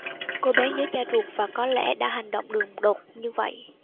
cô bé nhớ cha ruột và có lẽ đã hành động đường đột như vậy